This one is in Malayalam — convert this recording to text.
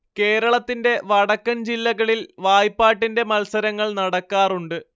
കേരളത്തിൻറെ വടക്കൻ ജില്ലകളിൽ വായ്പാട്ടിൻറെ മത്സരങ്ങൾ നടക്കാറുണ്ട്